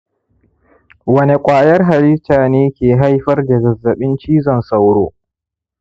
wane kwayar halitta ne ke haifar da zazzaɓin cizon sauro